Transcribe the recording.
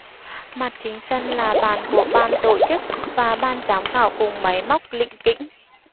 mặt chính sân là bàn của ban tổ chức và ban giám khảo cùng máy móc lỉnh kỉnh